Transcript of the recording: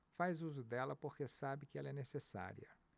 faz uso dela porque sabe que ela é necessária